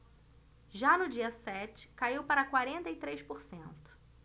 já no dia sete caiu para quarenta e três por cento